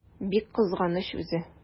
Бик кызганыч үзе!